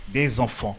Denson fɔ